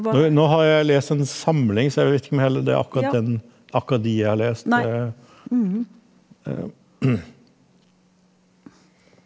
nå nå har jeg lest en samling så jeg vet ikke om jeg heller det er akkurat den akkurat de jeg har lest .